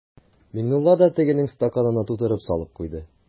Миңнулла да тегенең стаканына тутырып салып куйды.